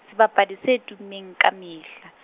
sebapadi se tummeng ka mehla.